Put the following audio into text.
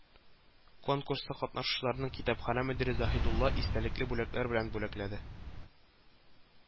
Конкурста катнашучыларны китапханә мөдире Заһидуллина истәлекле бүләкләр белән бүләкләде